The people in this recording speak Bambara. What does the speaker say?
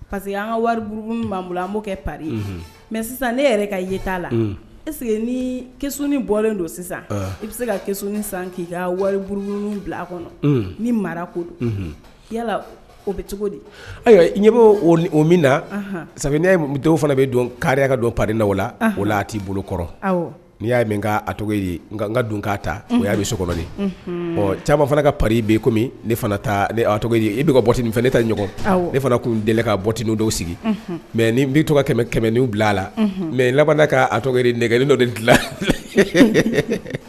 Pa parce que an ka wariuru an' kɛ pa mɛ sisan ne yɛrɛ ka t'a la e nis bɔlen don sisan i bɛ se kas san k'i ka wariuru bila a kɔnɔ ni mara ko yalala ko bɛ cogo di ayiwa i ɲɛ' o min na sabu ne dɔw fana bɛ don kari ka don pada la o a t'i bolo kɔrɔ n'i y'a min ka ye nka n ka dun ka' ta o y'a bɛ so ɔ caman fana ka pa bɛ komi fana ye i bɛ bɔtini nin fana ne taa ɲɔgɔn e fana tun deli ka bɔtinin' dɔw sigi mɛ ni bɛ to kɛmɛ kɛmɛ' bila a la mɛ laban ka a negɛlen dɔ de dila